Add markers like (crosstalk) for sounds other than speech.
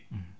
(hesitation) (hesitation)